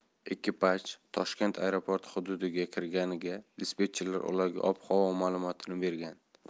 ekipaj toshkent aeroporti hududiga kirganida dispetcher ularga ob havo ma'lumotini bergan